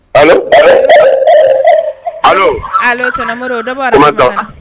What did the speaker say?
Alo alo alo Alo! Alo Tɔnɔn Modibo dɔ bɔ radio mankan na